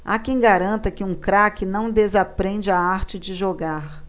há quem garanta que um craque não desaprende a arte de jogar